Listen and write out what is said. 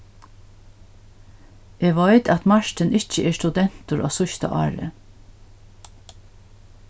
eg veit at martin ikki er studentur á síðsta ári